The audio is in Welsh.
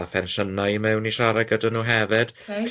a pensiynau i mewn i siarad gyda nhw hefyd. Ocê.